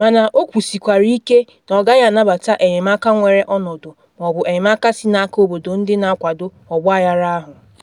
Mana o kwusikwara ike na ọ gaghị anabata enyemaka nwere ọnọdụ ma ọ bụ enyemaka si n’aka obodo ndị na akwado ọgbaghara ahụ.